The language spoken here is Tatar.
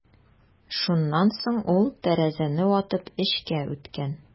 Шуннан соң ул тәрәзәне ватып эчкә үткән.